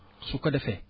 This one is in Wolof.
su ko defee